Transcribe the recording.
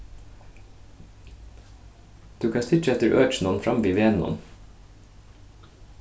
tú kanst hyggja eftir økinum fram við vegnum